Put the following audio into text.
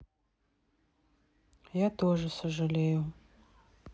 я тоже сожалею